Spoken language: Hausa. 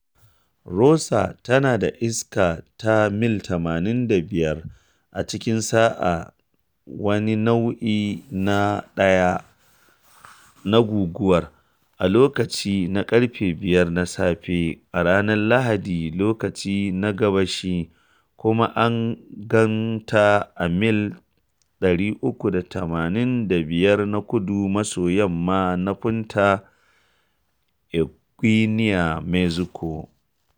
Rosa tana da iska ta mil 85 a cikin sa’a, wani Nau’i na 1 na Guguwar, a lokaci na ƙarfe 5 na safe a ranar Lahadi lokaci na Gabashi, kuma an gan ta a mil 385 na kudu-maso-yamma na Punta Eugenia, Mexico.